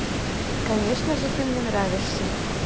конечно же ты мне нравишься